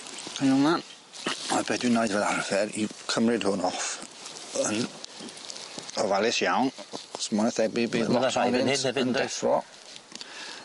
Fel 'na. A' be' dwi'n neud fel arfer yw cymryd hwn off yn ofalus iawn yn deffro.